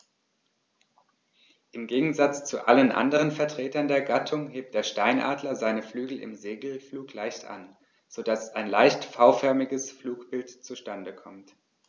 Im Gegensatz zu allen anderen Vertretern der Gattung hebt der Steinadler seine Flügel im Segelflug leicht an, so dass ein leicht V-förmiges Flugbild zustande kommt.